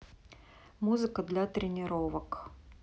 музыка для тренировок